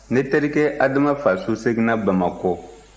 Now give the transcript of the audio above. ne terikɛ adama fa soseginna bamakɔ